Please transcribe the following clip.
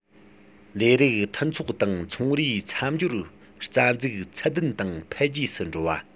ལས རིགས མཐུན ཚོགས དང ཚོང རའི མཚམས སྦྱོར རྩ འཛུགས ཚད ལྡན དང འཕེལ རྒྱས སུ འགྲོ བ